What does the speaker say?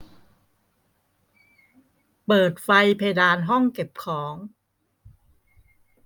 เปิดไฟเพดานห้องเก็บของ